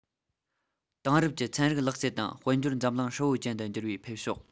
དེང རབས ཀྱི ཚན རིག ལག རྩལ དང དཔལ འབྱོར འཛམ གླིང ཧྲིལ པོ ཅན དུ འགྱུར བའི འཕེལ ཕྱོགས